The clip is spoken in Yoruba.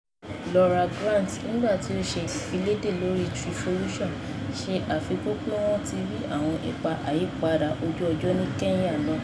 Laura Grant, nígbà tí ó ń ṣe ìfiléde lórí Treevolution, ṣe àfikún pé wọ́n ti rí àwọn ipa àyípadà ojú-ọjọ́ ní Kenya náà.